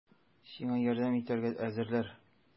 Сиңа ярдәм итәргә әзерләр!